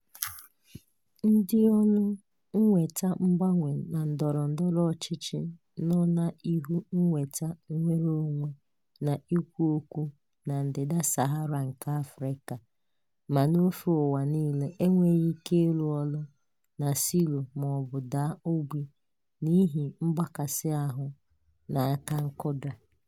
Ndị ọrụ mweta mgbanwe na ndọrọ ndọrọ ọchịchị nọ n'ihu mweta nnwereonwe n'ikwo okwu na ndịda Sahara nke Afịrịka ma n'ofe ụwa niile enweghị ike ịrụ ọrụ na silo maọbụ daa ogbi n'ihi mgbakasịahụ na aka nkụda.